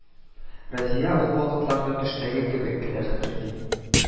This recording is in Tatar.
Разия ул вакытларны төштәге кебек кенә хәтерли